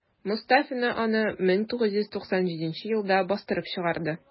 Мостафина аны 1997 елда бастырып чыгарды.